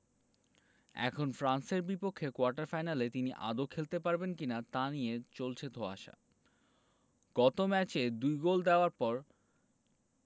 এখন ফ্রান্সের বিপক্ষে কোয়ার্টার ফাইনালে তিনি আদৌ খেলতে পারবেন কি না তা নিয়ে চলছে ধোঁয়াশা গত ম্যাচে দুই গোল দেওয়ার পর